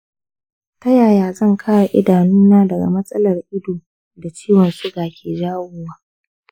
ta yaya zan kare idanuna daga matsalar ido da ciwon suga ke jawowa?